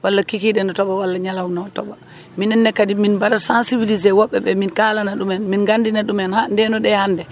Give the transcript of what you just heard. wala